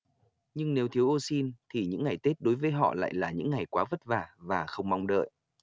nhưng nếu thiếu osin thì những ngày tết đối với họ lại là những ngày quá vất vả và không mong đợi